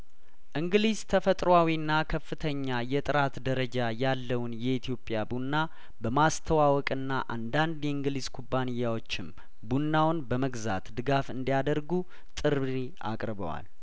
እንግሊዝ ተፈጥሯዊና ከፍተኛ የጥራት ደረጃ ያለውን የኢትዮጵያ ቡና በማስተዋወቅና አንዳንድ የእንግሊዝ ኩባንያዎችም ቡናውን በመግዛት ድጋፍ እንዲያደርጉ ጥሪ አቅርበዋል